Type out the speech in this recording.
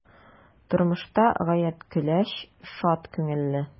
Тормышта гаять көләч, шат күңелле.